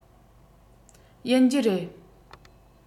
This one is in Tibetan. ཡིན རྒྱུ རེད